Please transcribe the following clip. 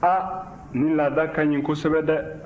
a nin laada ka ɲi kosɛbɛ dɛ